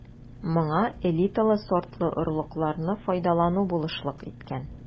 Моңа элиталы сортлы орлыкларны файдалану булышлык иткән.